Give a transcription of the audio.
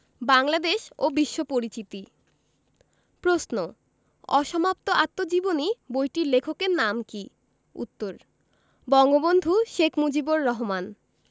বাংলাদেশ ও বিশ্ব পরিচিতি প্রশ্ন অসমাপ্ত আত্মজীবনী বইটির লেখকের নাম কী উত্তর বঙ্গবন্ধু শেখ মুজিবুর রহমান